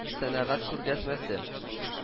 Сәнәгать күргәзмәсе